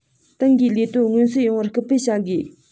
ཏང གི ལས དོན མངོན གསལ ཡོང བར སྐུལ སྤེལ བྱ དགོས